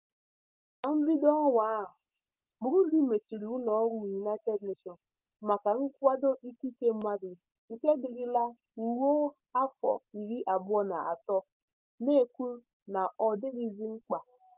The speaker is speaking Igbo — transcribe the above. Na mbido ọnwa a, Burundi mechiri ụlọọrụ United Nations maka nkwado ikike mmadụ nke dirila ruo afọ 23, na-ekwu na ọ dịghịzi mkpa.